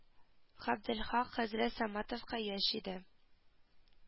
Габделхак хәзрәт саматовка яшь иде